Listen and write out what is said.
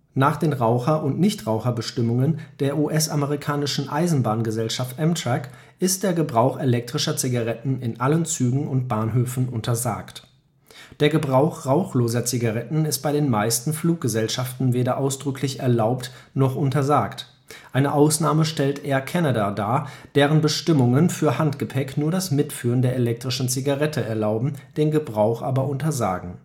Nach den Raucher -/ Nichtraucherbestimmungen der US-amerikanischen Eisenbahngesellschaft Amtrak ist der Gebrauch elektrischer Zigaretten in allen Zügen und Bahnhöfen untersagt. Der Gebrauch rauchloser Zigaretten ist bei den meisten Fluggesellschaften weder ausdrücklich erlaubt noch untersagt. Eine Ausnahme stellt Air Canada dar, deren Bestimmungen für Handgepäck nur das Mitführen der elektrischen Zigarette erlauben, den Gebrauch aber untersagen